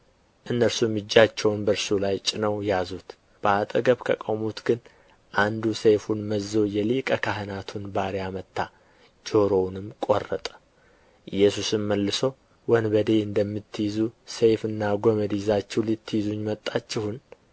እነርሱም እጃቸውን በእርሱ ላይ ጭነው ያዙት በአጠገብ ከቆሙት ግን አንዱ ሰይፉን መዞ የሊቀ ካህናቱን ባሪያ መታ ጆሮውንም ቈረጠ ኢየሱስም መልሶ ወንበዴ እንደምትይዙ ሰይፍና ጐመድ ይዛችሁ ልትይዙኝ መጣችሁን